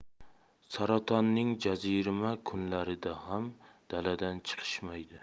saratonning jazirama kunlarida ham daladan chiqishmaydi